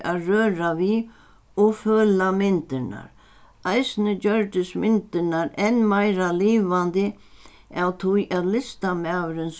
at røra við og føla myndirnar eisini gjørdist myndirnar enn meira livandi av tí at listamaðurin